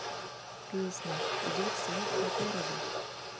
песня идет свет по городу